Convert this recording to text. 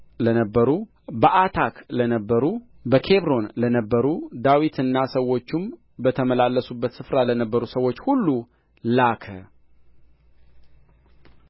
ለነበሩ በዓታክ ለነበሩ በኬብሮን ለነበሩ ዳዊትና ሰዎቹም በተመላለሱበት ስፍራ ለነበሩ ሰዎች ሁሉ ላከ